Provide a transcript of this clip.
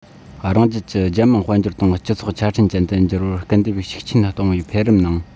རང རྒྱལ གྱི རྒྱལ དམངས དཔལ འབྱོར དང སྤྱི ཚོགས ཆ འཕྲིན ཅན དུ འགྱུར བར སྐུལ འདེད ཤུགས ཆེན གཏོང བའི འཕེལ རིམ ནང